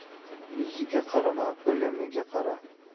yuziga qarama bilimiga qara